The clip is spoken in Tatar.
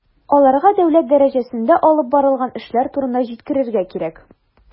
Аларга дәүләт дәрәҗәсендә алып барылган эшләр турында җиткерергә кирәк.